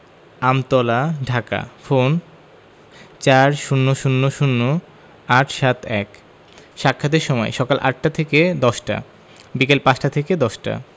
Amtala Dhaka phone ৪০০০৮৭১ সাক্ষাতের সময়ঃসকাল ৮টা থেকে ১০টা - বিকাল ৫টা থেকে ১০টা